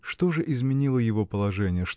Что же изменило его положение?